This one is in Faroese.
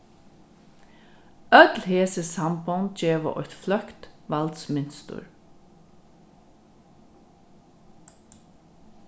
øll hesi sambond geva eitt fløkt valdsmynstur